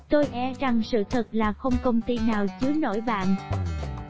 tôi e rằng sự thật là không công ty nào chứa nổi bạn